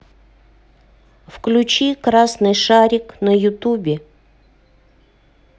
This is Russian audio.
включи красный шарик на ютубе